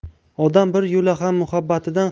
odam bir yo'la ham muhabbatidan